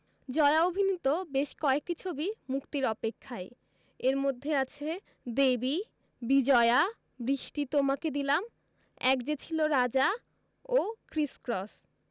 জয়া অভিনীত বেশ কয়েকটি ছবি মুক্তির অপেক্ষায় এর মধ্যে আছে দেবী বিজয়া বৃষ্টি তোমাকে দিলাম এক যে ছিল রাজা ও ক্রিস ক্রস